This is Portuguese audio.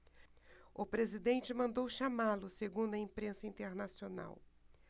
o presidente mandou chamá-lo segundo a imprensa internacional